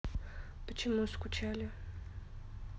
почему скучали